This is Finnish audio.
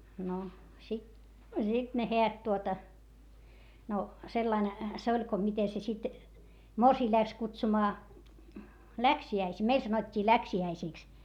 no sitten sitten ne häät tuota no sillä lailla se oli kun miten se sitten morsian lähti kutsumaan läksiäisiin meille sanottiin läksiäisiksi